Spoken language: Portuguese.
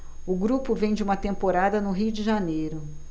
o grupo vem de uma temporada no rio de janeiro